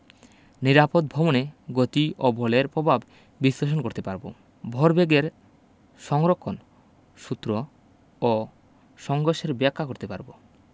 নিরাপদ ভমণে গতি এবং বলের পভাব বিশ্লেষণ করতে পারব ভরবেগের সংরক্ষণ সূত্র ও সংঘর্ষের ব্যাখ্যা করতে পারব